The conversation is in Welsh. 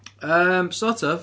Yym, sort of.